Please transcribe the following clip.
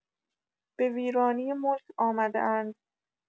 به ویرانی ملک آمده‌اند.